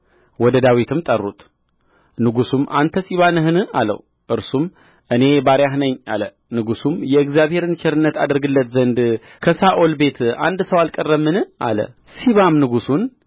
ወደ ዳዊትም ጠሩት ንጉሡም አንተ ሲባ ነህን አለው እርሱም እኔ ባሪያህ ነኝ አለ ንጉሡም የእግዚአብሔርን ቸርነት አደርግለት ዘንድ ከሳኦል ቤት አንድ ሰው አልቀረምን አለ ሲባም ንጉሡን